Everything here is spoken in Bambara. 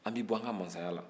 an b'i bɔ an ka mansaya la